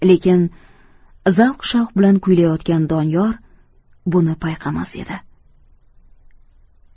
lekin zavq shavq bilan kuylayotgan doniyor buni payqamas edi